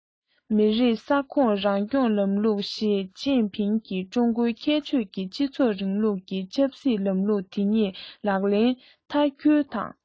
མི རིགས ས ཁོངས རང སྐྱོང ལམ ལུགས ཞིས ཅིན ཕིང གིས ཀྲུང གོའི ཁྱད ཆོས ཀྱི སྤྱི ཚོགས རིང ལུགས ཀྱི ཆབ སྲིད ལམ ལུགས དེ ཉིད ལག ལེན ཐོག འཁྱོལ བ དང